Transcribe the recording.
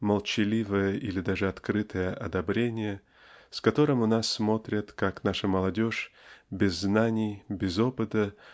молчаливое или даже открытое одобрение с которым у нас смотрят как наша молодежь без знаний без опыта